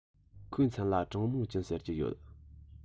ཁོའི མཚན ལ ཀྲང མིང ཅུན ཟེར གྱི ཡོད